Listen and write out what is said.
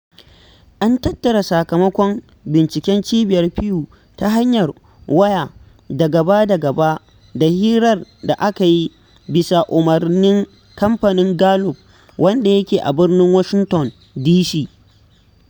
An tattara sakamakon binciken Cibiyar Pew ta hanyar waya da gaba-da-gaba da hirar da aka yi bisa umarnin Kamfanin Gallup wanda yake a birnin Washington, DC